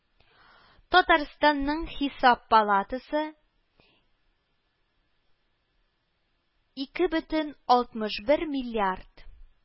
Татарстанның Хисап палатасы ике бөтен алтмыш бер миллиард